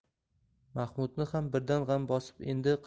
mahmudni ham birdan g'am bosib